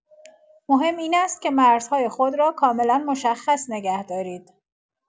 مهم این است که مرزهای خود را کاملا مشخص نگه دارید.